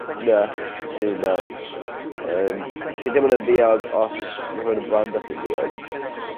Na swy me'wl. Yym. Chi ddim on' yn ddiog os ma' rhywun yn brando chi'n ddiog.